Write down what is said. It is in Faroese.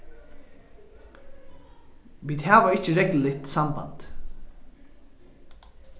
vit hava ikki regluligt samband